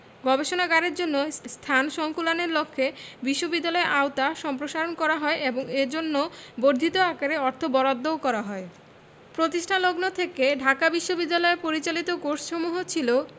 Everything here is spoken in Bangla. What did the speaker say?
গবেষণাগারের জন্য স্থান সংকুলানের লক্ষ্যে বিশ্ববিদ্যালয়ের আওতা সম্প্রসারণ করা হয় এবং এজন্য বর্ধিত আকারে অর্থ বরাদ্দও করা হয় প্রতিষ্ঠালগ্ন থেকে ঢাকা বিশ্ববিদ্যালয় পরিচালিত কোর্সসমূহ ছিল